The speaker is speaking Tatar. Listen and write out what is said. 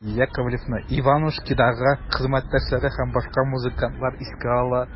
Яковлевны «Иванушки»дагы хезмәттәшләре һәм башка музыкантлар искә ала.